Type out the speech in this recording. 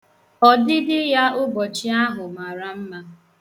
Ọdịdị ya ụbọchị ahụ mara mma.